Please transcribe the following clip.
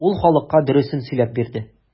Ул халыкка дөресен сөйләп бирде.